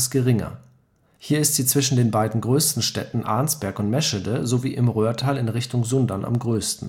geringer. Hier ist sie zwischen den beiden größten Städten Arnsberg und Meschede sowie im Röhrtal in Richtung Sundern am größten